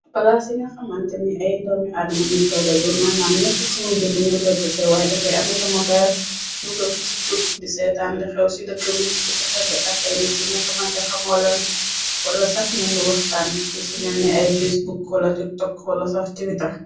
Palaas yi nga xamante ni ay doomi adama ño foy dajee, manaam nekku seeni jëmu ñoo foy tasay, waaye dangay ame sa mobayil dugal fa ca tur, di seytaan li xew si dëkka bi, di tasanti ak ay nit yi nga xamante xamooleen, wala sax ngendi waxtaan li ci melni ay facebook, wala tiktokk, wala sax tiwita.